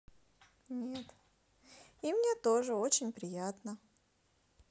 и мне тоже очень приятно